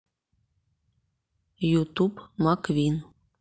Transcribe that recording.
ютуб маквин